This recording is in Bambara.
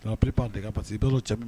La plus part des cas, parce que dès lors cɛ